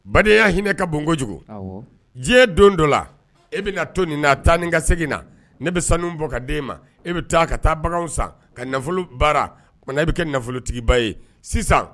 Baya hinɛ ka bon kojugu diɲɛ don dɔ la e bɛna to ni n'a taa ni ka segin na ne bɛ sanu bɔ ka den e ma e bɛ taa ka taa bagan san ka nafolo baara e bɛ kɛ nafolotigiba ye sisan